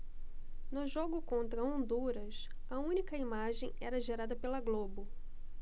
no jogo contra honduras a única imagem era gerada pela globo